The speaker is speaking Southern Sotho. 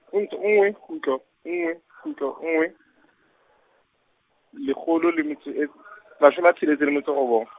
nnt- nngwe kgutlo, nngwe, kgutlo, nngwe, lekgolo le metso e, mashome a tsheletseng le metso robong.